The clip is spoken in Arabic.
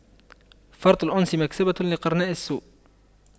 فرط الأنس مكسبة لقرناء السوء